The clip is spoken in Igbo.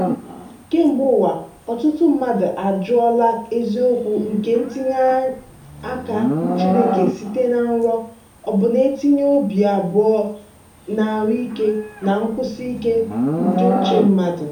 Kemgbe ụwa, ọtụtụ mmadụ ajụọla eziokwu nke ntinye aka Chineke site na nrọ, ọbụna na-etinye obi abụọ n'ahụike na nkwụsi ike nke uche mmadụ.